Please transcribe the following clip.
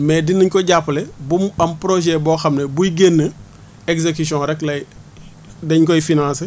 mais dinañ ko jàppale ba mu am projet boo xam ne buy génn exécution rek lay dañ koy financer